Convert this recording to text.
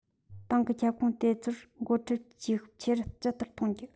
ཏང གིས ཁྱབ ཁོངས དེ ཚོར འགོ ཁྲིད བྱེད ཤུགས ཆེ རུ ཇི ལྟར གཏོང རྒྱུ